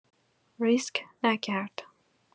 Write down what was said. ریسک نکرد